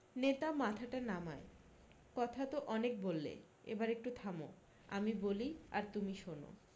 নেতা মাথাটা নামায় কথা তো অনেক বললে এবার একটু থামো আমি বলি আর তুমি শোনো